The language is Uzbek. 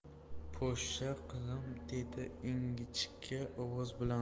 poshsha qizim dedi ingichka ovoz bilan